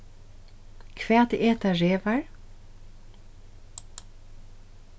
hvat eta revar